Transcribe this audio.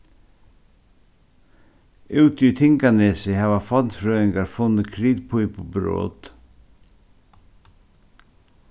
úti í tinganesi hava fornfrøðingar funnið kritpípubrot